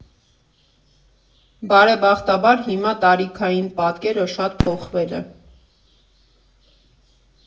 Բարեբախտաբար հիմա տարիքային պատկերը շատ փոխվել է։